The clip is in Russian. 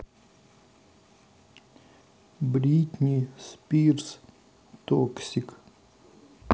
бритни спирс токсик